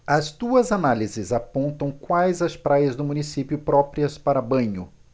as duas análises apontam quais as praias do município próprias para banho